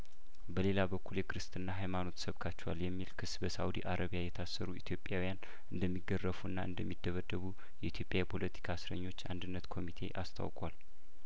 በሌላ በኩል የክርስትና ሀይማኖት ሰብካችኋል የሚል ክስ በሳኡዲ አረቢያ የታሰሩ ኢትዮጵያዊያን እንደሚገረፉና እንደሚደበደቡ የኢትዮጵያ የፖለቲካ እስረኞች አንድነት ኮሚቴ አስታውቋል